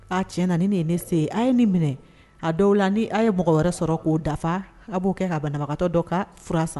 A cɛ na ni nin ne se a ye nin minɛ a dɔw la ni a ye mɔgɔ wɛrɛ sɔrɔ ko dafa a b'o kɛ k'a bɛn nabagatɔ dɔ kan fsa